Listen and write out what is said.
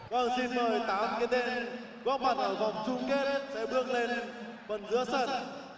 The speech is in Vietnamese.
vâng xin mời tám cái tên góp mặt ở vòng chung kết sẽ bước lên phần giữa sân